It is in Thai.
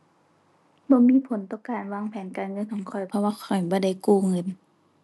บ่มีผลต่อการวางแผนการเงินของข้อยเพราะว่าข้อยบ่ได้กู้เงิน